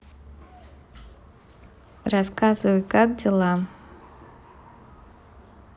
рассказывай как дела